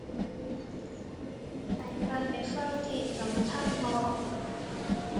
ไปวัดไปฟังเทศน์กรรมธรรมบ่